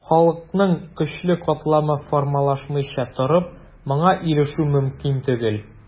Халыкның көчле катламы формалашмыйча торып, моңа ирешү мөмкин түгел.